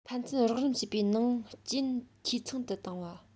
ཕན ཚུན རོགས རམ བྱེད པའི ནང རྐྱེན འཐུས ཚང དུ བཏང བ